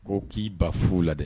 Ko k'i ba furu la dɛ